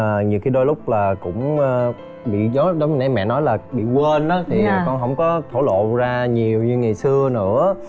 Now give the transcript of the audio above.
à nhiều khi đôi lúc là cũng a bị gió nóng nảy mẹ nói là bị quên nó thì con hổng có thổ lộ ra nhiều như ngày xưa nữa